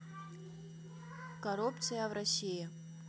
коррупция в россии